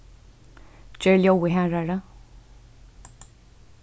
ger ljóðið harðari